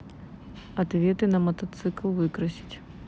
ответы на мотоцикл выкрасить